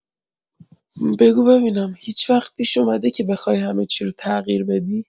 بگو ببینم، هیچ‌وقت پیش اومده که بخوای همه چی رو تغییر بدی؟